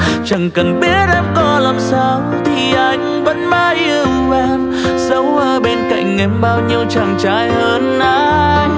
chẳng cần biết em có làm sao thì anh vẫn mãi yêu em chẳng cần biết em có làm sao thì anh vẫn mãi yêu em dẫu ở bên cạnh em bao nhiêu chàng trai hơn anh